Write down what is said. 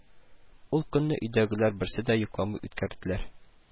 Ул көнне өйдәгеләр берсе дә йокламый үткәрделәр